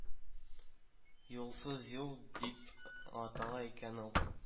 «юлсыз юл» дип атала икән ул.